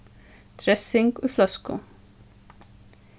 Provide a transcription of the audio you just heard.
dressing í fløsku